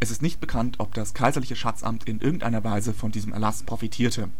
Es ist nicht bekannt, ob das kaiserliche Schatzamt in irgendeiner Weise von diesem Erlass profitierte